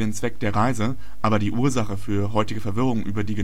Zweck der Reise, aber die Ursache für heutige Verwirrung über die